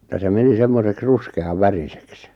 ja se meni semmoiseksi ruskean väriseksi se